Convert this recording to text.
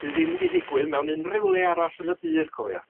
sy ddim 'di ddigwydd mewn unryw le arall yn y byd cofia.